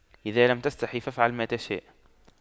اذا لم تستحي فأفعل ما تشاء